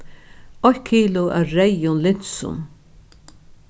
eitt kilo av reyðum linsum